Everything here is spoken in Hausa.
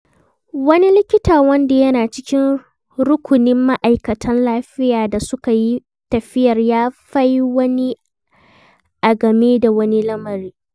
Wani likita wanda yana cikin rukunin ma'aikatan lafiya da suka yi tafiyar ya fai wannan a game da wani lamari: